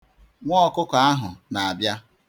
Nwa ọkụkọ ahụ na-abịa.